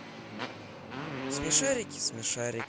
смешарики смешарики